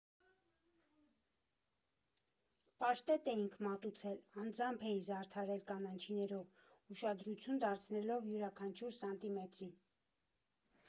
Պաշտետ էինք մատուցել, անձամբ էի զարդարել կանաչիներով՝ ուշադրություն դարձնելով յուրաքանչյուր սանտիմետրին։